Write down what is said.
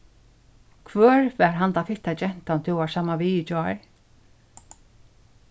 hvør var handa fitta gentan tú vart saman við í gjár